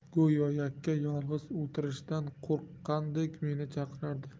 go'yo yakka yolg'iz o'tirishdan qo'rqqandek meni chaqirardi